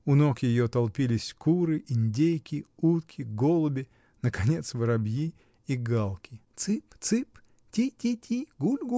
У ног ее толпились куры, индейки, утки, голуби, наконец, воробьи и галки. — Цып-цып, ти-ти-ти! гуль!